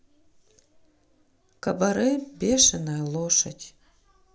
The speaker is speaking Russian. кабаре бешеная лошадь